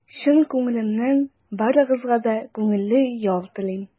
Чын күңелемнән барыгызга да күңелле ял телим!